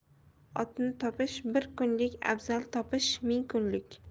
otni topish bir kunlik abzal topish ming kunlik